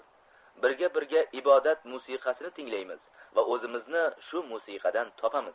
birga birga ibodat musiqasini tinglaymiz va o'zimizni shu musiqadan topamiz